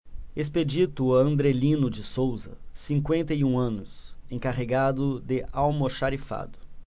expedito andrelino de souza cinquenta e um anos encarregado de almoxarifado